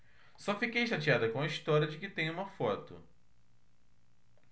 só fiquei chateada com a história de que tem uma foto